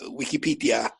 wicipedia